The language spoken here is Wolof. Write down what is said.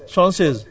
77